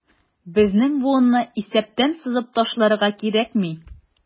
Безнең буынны исәптән сызып ташларга кирәкми.